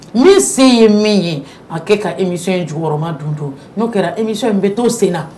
Min se ye min ye a kɛ ka émission in jukɔrɔma don don n'o kɛra émission in be to senna